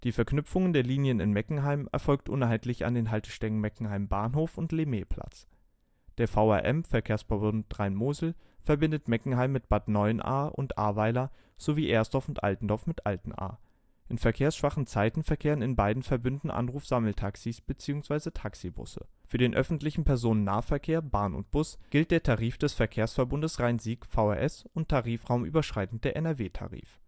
Verknüpfung der Linien in Meckenheim erfolgt uneinheitlich an den Haltestellen Meckenheim Bahnhof und Le-Mee-Platz. Der VRM (Verkehrsverbund Rhein-Mosel) verbindet Meckenheim mit Bad Neuenahr und Ahrweiler sowie Ersdorf und Altendorf mit Altenahr. In verkehrsschwachen Zeiten verkehren in beiden Verbünden Anruf-Sammeltaxis bzw.Taxibusse. Für den Öffentlichen Personennahverkehr (Bahn und Bus) gilt der Tarif des Verkehrsverbundes Rhein-Sieg (VRS) und Tarifraum überschreitend der NRW-Tarif